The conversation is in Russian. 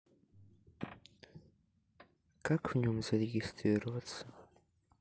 как в нем зарегистрироваться